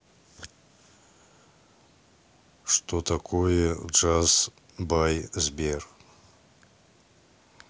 что такое джаз бай сбер